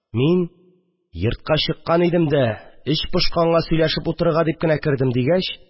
Мин: «Йортка чыккан идем дә, эч пошканга сөйләшеп утырырга дип кенә кердем», – дигәч